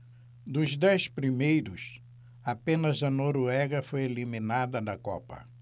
dos dez primeiros apenas a noruega foi eliminada da copa